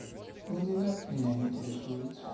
ламинат меня интересует